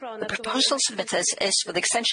The proposal submitted is for the extension of